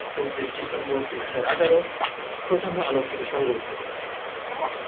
২৯ December ২০১৮ Prothom Alo হতে সংগৃহীত